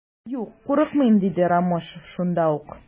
Юк, курыкмыйм, - диде Ромашов шунда ук.